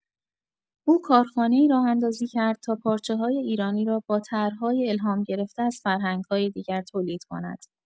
او کارخانه‌ای راه‌اندازی کرد تا پارچه‌های ایرانی را با طرح‌های الهام‌گرفته از فرهنگ‌های دیگر تولید کند.